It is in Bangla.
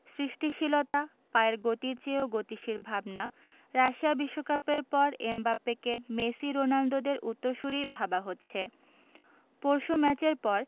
সৃষ্টিশীলতা পায়ের গতির চেয়েও গতিশীল ভাবনা রাশিয়া বিশ্বকাপের পর এমবাপ্পেকে মেসি রোনালদোদের উত্তরসূরিই ভাবা হচ্ছে পরশু ম্যাচের পর